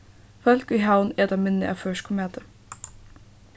fólk í havn eta minni av føroyskum mati